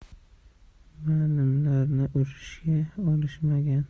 malimlarni urushga olishmagan